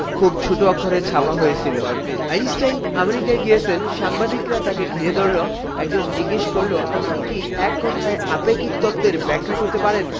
ছোট অক্ষরে ছাপা হয়েছিল আইনস্টাইন আমেরিকায় গিয়েছেন সাংবাদিকরা তাকে ঘিরে ধরল একজন জিজ্ঞেস করল আপনি কি এক কথায় আপেক্ষিক তত্ত্বের ব্যাখ্যা করতে পারেন